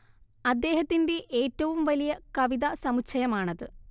അദ്ദേഹത്തിന്റെ ഏറ്റവും വലിയ കവിതാ സമുച്ചയമാണത്